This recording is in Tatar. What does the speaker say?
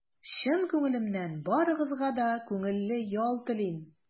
Чын күңелемнән барыгызга да күңелле ял телим!